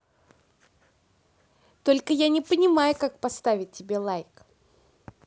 только я не понимаю как поставить тебе лайк